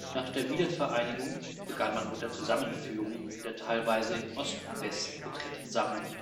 Nach der Wiedervereinigung begann man mit der Zusammenführung der teilweise in Ost und West getrennten Sammlungen